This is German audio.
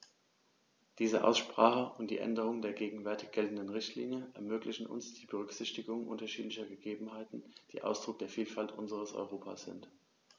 Diese Aussprache und die Änderung der gegenwärtig geltenden Richtlinie ermöglichen uns die Berücksichtigung unterschiedlicher Gegebenheiten, die Ausdruck der Vielfalt unseres Europas sind.